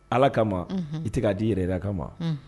Ala kama i tɛ k'a di yɛrɛ kamama